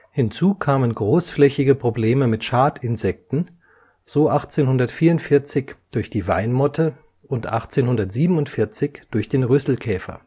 Hinzu kamen großflächige Probleme mit Schadinsekten, so 1844 durch die Weinmotte und 1847 durch den Rüsselkäfer